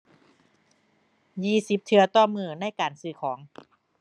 ยี่สิบเทื่อต่อมื้อในการซื้อของ